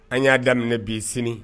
An y'a daminɛ bi sini